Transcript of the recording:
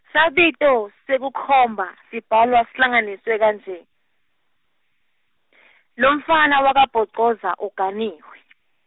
sabito, sekukhomba, sibhalwa sihlanganiswe kanje , lomfana wakaBhocoza uganiwe .